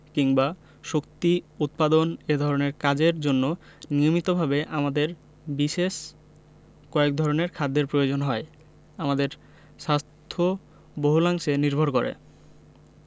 কিংবা শক্তি উৎপাদন এ ধরনের কাজের জন্য নিয়মিতভাবে আমাদের বিশেষ কয়েক ধরনের খাদ্যের প্রয়োজন হয় আমাদের স্বাস্থ্য বহুলাংশে নির্ভর করে